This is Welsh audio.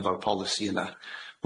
efo'r polisi yna.